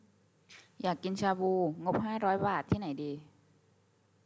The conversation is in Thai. อยากกินชาบูงบห้าร้อยบาทที่ไหนดี